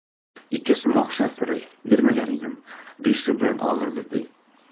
Ике сум акча сорый, бирмәгән идем, бише белән алырбыз, ди.